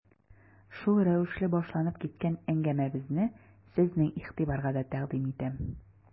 Шул рәвешле башланып киткән әңгәмәбезне сезнең игътибарга да тәкъдим итәм.